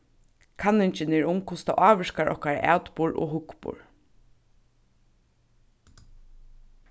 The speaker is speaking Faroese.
kanningin er um hvussu tað ávirkar okkara atburð og hugburð